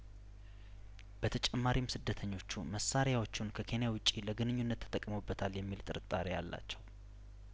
በተጨማሪም ስደተኞቹ መሳሪያዎቹን ከኬንያውጭ ለግንኙነት ተጠቅመው በታል የሚል ጥርጣሬ አላቸው